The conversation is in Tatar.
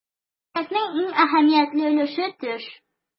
Күзәнәкнең иң әһәмиятле өлеше - төш.